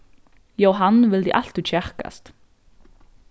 jóhan vildi altíð kjakast